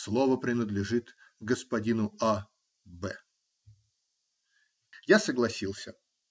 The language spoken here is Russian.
Слово принадлежит господину А. Б. Я согласился.